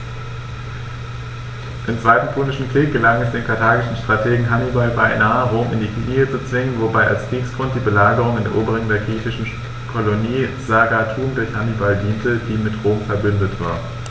Im Zweiten Punischen Krieg gelang es dem karthagischen Strategen Hannibal beinahe, Rom in die Knie zu zwingen, wobei als Kriegsgrund die Belagerung und Eroberung der griechischen Kolonie Saguntum durch Hannibal diente, die mit Rom „verbündet“ war.